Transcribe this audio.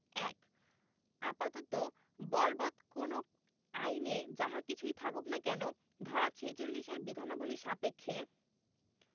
১ আপাততঃ বলবৎ কোন আইনে যাহা কিছুই থাকুক না কেন ধারা ৪৬ এর বিধানাবলী সাপেক্ষে